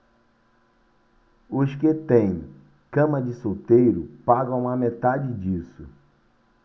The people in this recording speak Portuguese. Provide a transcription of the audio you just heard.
os que têm cama de solteiro pagam a metade disso